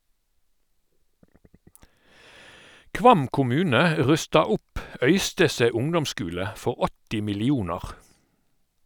Kvam kommune rusta opp Øystese ungdomsskule for 80 millionar.